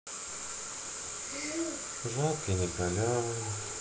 жак и николя